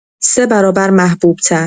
۳ برابر محبوب‌تر